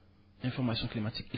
information climatique